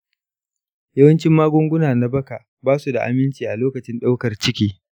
yawancin magunguna na baka ba su da aminci a lokacin daukar ciki.